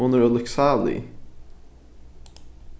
hon er ólukksálig